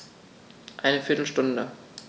Eine viertel Stunde